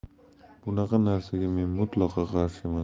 bunaqa narsaga men mutlaqo qarshiman